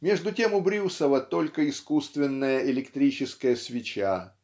между тем у Брюсова -- только искусственная электрическая свеча